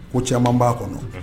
Ko caman b'a kɔnɔ